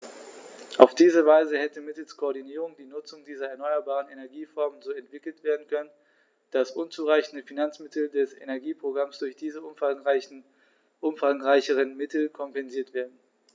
Auf diese Weise hätte mittels Koordinierung die Nutzung dieser erneuerbaren Energieformen so entwickelt werden können, dass unzureichende Finanzmittel des Energieprogramms durch diese umfangreicheren Mittel kompensiert werden.